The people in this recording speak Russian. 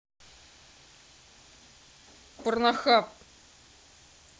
порнохаб